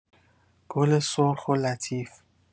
گل سرخ و لطیف